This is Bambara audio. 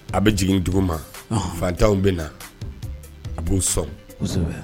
A bɛ jigin dugu ma fantanw bɛ na a b'o sɔn